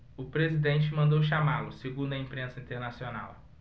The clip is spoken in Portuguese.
o presidente mandou chamá-lo segundo a imprensa internacional